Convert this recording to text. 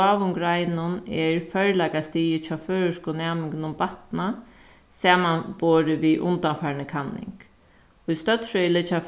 báðum greinum er førleikastigið hjá føroysku næmingunum batnað samanborið við undanfarni kanning í støddfrøði liggja